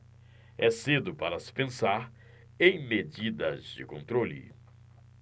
é cedo para se pensar em medidas de controle